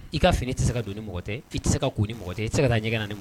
I ka fini tɛ se ka don ni mɔgɔ tɛ fini tɛ se ka ni mɔgɔ tɛ i tɛ se ka taa ɲɛ ma